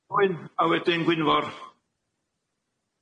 Pwyn a wedyn Gwynfor.